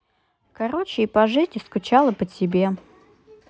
короче и по жизни скучал и по тебе